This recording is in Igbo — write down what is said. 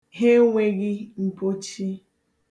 Ha enweghị mpochi.